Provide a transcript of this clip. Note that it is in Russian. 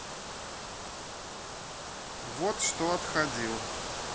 вот что отходил